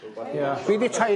Ia. Fi 'di taid...